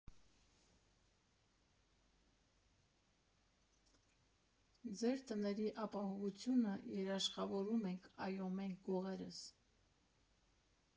Ձեր տների ապահովությունը երաշխավորում ենք, այո, մենք՝ գողերս»։